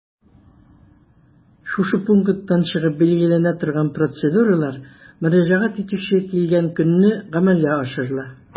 Шушы пункттан чыгып билгеләнә торган процедуралар мөрәҗәгать итүче килгән көнне гамәлгә ашырыла.